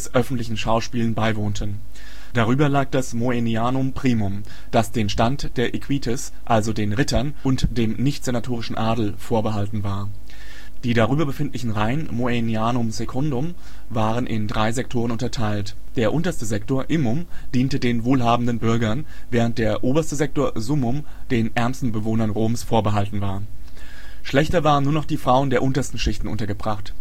öffentlichen Schauspielen beiwohnten. Darüber lag das moenianum primum, das dem Stand der Equites, also den " Rittern " oder dem nichtsenatorischen Adel vorbehalten war. Die darüber befindlichen Reihen moenianum secundum waren in drei Sektoren unterteilt. Der unterste Sektor (immum) diente den wohlhabenden Bürgern, während der oberste Sektor (summum) den ärmsten Bewohnern Roms vorbehalten war. Schlechter waren nur noch die Frauen der untersten Schichten untergebracht